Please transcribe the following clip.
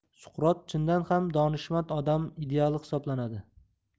suqrot chindan ham donishmand odam ideali hisoblanadi